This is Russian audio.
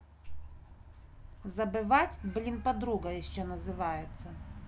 забывать блин подруга еще называется